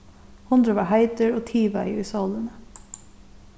hundurin var heitur og tivaði í sólini